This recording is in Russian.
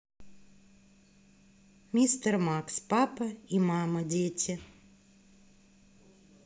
мистер макс папа и мама дети